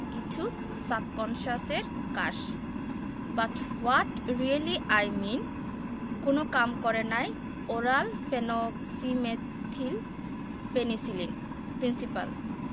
কিছু সাবকন্সাসের cause but what really I mean কোন কাম করে নাই ওরাল ফেনোক্সিমেথিল পেনিসিলিন প্রিন্সিপাল